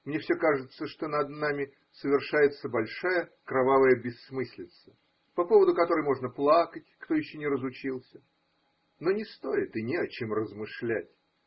мне все кажется, что над нами совершается большая кровавая бессмыслица, по поводу которой можно плакать, кто еще не разучился, но не стоит и не о чем размышлять.